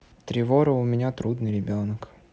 тревора у меня трудный ребенок